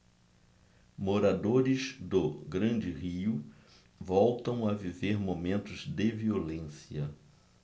moradores do grande rio voltam a viver momentos de violência